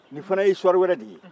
nin fana ye isituwari wɛrɛ de ye